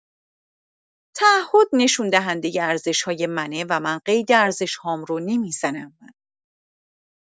تعهد نشون‌دهنده ارزش‌های منه و من قید ارزش‌هام رو نمی‌زنم.